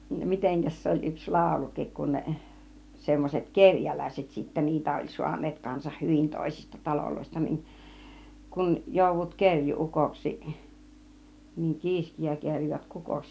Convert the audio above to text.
- mitenkäs se oli yksi laulukin kun ne semmoiset kerjäläiset sitten niitä oli saaneet kanssa hyvin toisista taloista niin kun joudut kerjuu-ukoksi niin kiiskiä kerjäät kukoksi